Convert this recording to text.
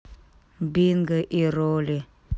бинго и ролли